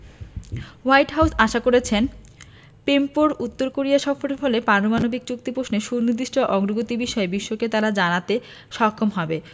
white House আশা করছে পম্পেওর উত্তর কোরিয়া সফরের ফলে পারমাণবিক চুক্তি প্রশ্নে সুনির্দিষ্ট অগ্রগতি বিষয়ে বিশ্বকে তারা জানাতে সক্ষম হবে